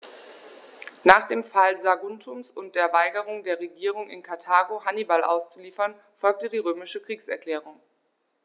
Nach dem Fall Saguntums und der Weigerung der Regierung in Karthago, Hannibal auszuliefern, folgte die römische Kriegserklärung.